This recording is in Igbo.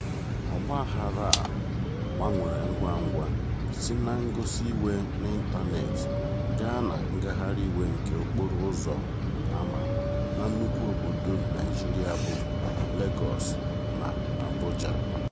Ọgbaghara a gbanwere ngwa ngwa si na ngosi iwe n'ịntaneetị gaa na ngagharị iwe nke okporo ụzọ ama na nnukwu obodo Naịjirịa bụ Legọọsụ na Abuja.